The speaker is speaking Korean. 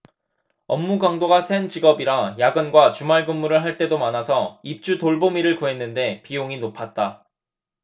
업무 강도가 센 직업이라 야근과 주말근무를 할 때도 많아서 입주돌보미를 구했는데 비용이 높았다